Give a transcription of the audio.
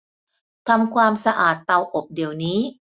ทำความสะอาดเตาอบเดี๋ยวนี้